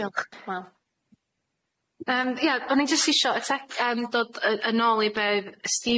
Diolch wel, yym ia o'n i jyst isio yy te- yym dod yy yn ôl i be' oedd Steve